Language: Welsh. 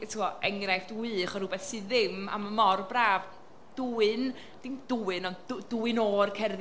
Tibod, enghraifft wych o rywbeth sydd ddim, a ma' mor braf, dwyn... dim dwyn ond d- dwyn o'r cerddi, neu menthyg o'r cerddi, a chaneuon,